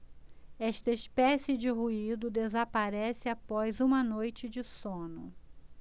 esta espécie de ruído desaparece após uma noite de sono